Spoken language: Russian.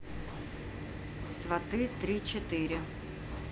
сваты три четыре